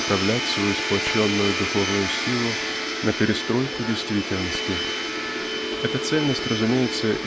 направлять свою сплоченную духовную силу на перестройку действительности. Эта цельность разумеется